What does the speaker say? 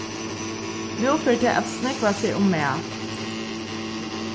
nú fer tað at snúgva seg um mat